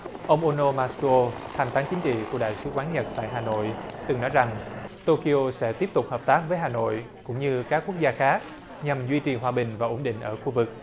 ông ô nô ma su ô thăm thắn chính trị của đại sứ quán nhật tại hà nội từng nói rằng tô ki ô sẽ tiếp tục hợp tác với hà nội cũng như các quốc gia khác nhằm duy trì hòa bình và ổn định ở khu vực